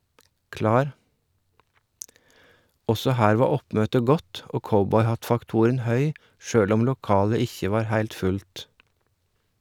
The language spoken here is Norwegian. Også her var oppmøtet godt og cowboyhattfaktoren høy sjølv om lokalet ikkje var heilt fullt.